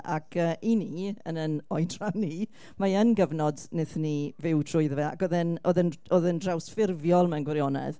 Ac yy i ni, yn ein oedran ni, mae yn gyfnod wnaethon ni fyw trwyddo fe ac oedd e'n oedd e'n oedd e'n drawsffurfiol mae'n gwirionedd